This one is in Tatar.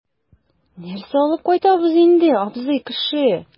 Нәрсә алып кайтабыз инде, абзый кеше?